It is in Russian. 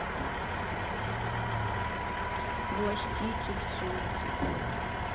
властитель солнца